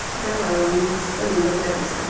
Og det var jo en spennende opplevelse.